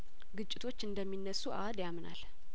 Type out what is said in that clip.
ግጭቶች እንደሚነሱ አአድ ያምናል